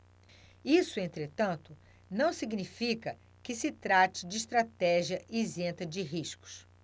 isso entretanto não significa que se trate de estratégia isenta de riscos